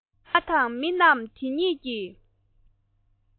ང དང མི རྣམས དེ གཉིས ཀྱིས